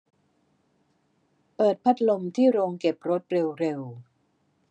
เปิดพัดลมที่โรงเก็บรถเร็วเร็ว